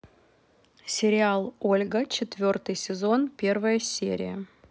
сериал ольга четвертый сезон первая серия